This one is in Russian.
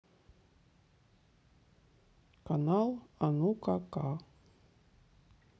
канал а ну ка ка